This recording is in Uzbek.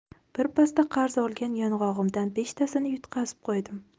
birpasda qarz olgan yong'og'imdan beshtasini yutqazib qo'ydim